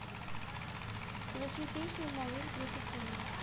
включи песню малыш группа кино